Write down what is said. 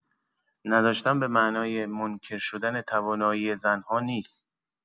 نداشتن به معنای منکر شدن توانایی زن‌ها نیست!